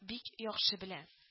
Бик яхшы белә